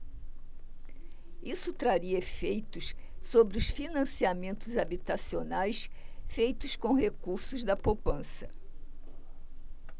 isso traria efeitos sobre os financiamentos habitacionais feitos com recursos da poupança